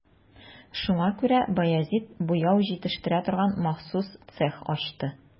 Шуңа күрә Баязит буяу җитештерә торган махсус цех ачты.